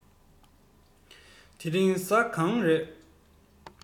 དེ རིང གཟའ གང རས